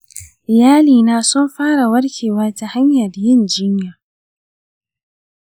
iyalina sun fara warkewa ta hanyar yin jinya.